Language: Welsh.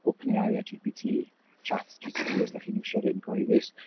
Open AI a GPT Chat GTP os dach chi'n iwsio'r un cyhoeddus.